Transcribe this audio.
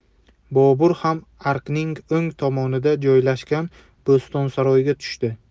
bobur ham arkning o'ng tomonida joylashgan bo'stonsaroyga tushdi